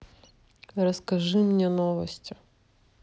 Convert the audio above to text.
расскажи мне новости